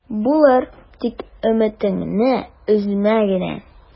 Булыр, тик өметеңне өзмә генә...